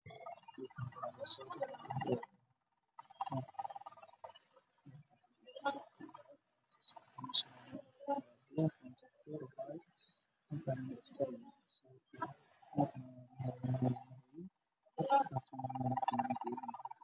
Meshan waa wado dheer waxaa maraayo gaariyaal madow ah